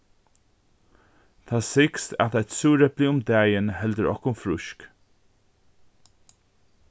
tað sigst at eitt súrepli um dagin heldur okkum frísk